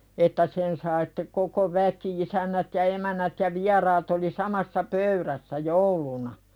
että sen sai sitten koko väki isännät ja emännät ja vieraat oli samassa pöydässä jouluna